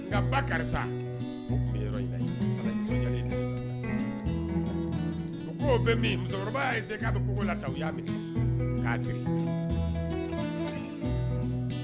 Ka ba karisa' bɛ min musokɔrɔba y'a se k'a bɛ la ta y'a minɛ k'a segin